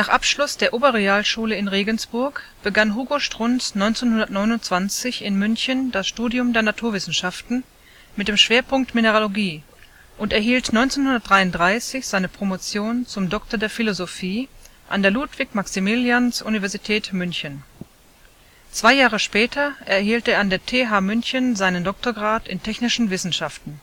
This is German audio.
Abschluss der Oberrealschule in Regensburg begann Hugo Strunz 1929 in München das Studium der Naturwissenschaften mit dem Schwerpunkt Mineralogie und erhielt 1933 seine Promotion zum Dr. der Philosophie an der Ludwig-Maximilians-Universität München. Zwei Jahre später erhielt er an der TH München seinen Doktorgrad in technischen Wissenschaften